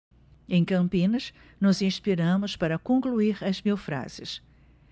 em campinas nos inspiramos para concluir as mil frases